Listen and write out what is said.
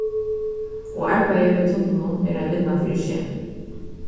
og arbeiðið við tunlunum er ein vinna fyri seg